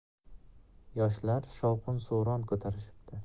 yoshlar shovqin suron ko'tarishibdi